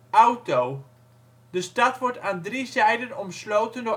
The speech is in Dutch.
De stad wordt aan drie zijden omsloten